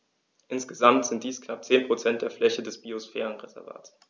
Insgesamt sind dies knapp 10 % der Fläche des Biosphärenreservates.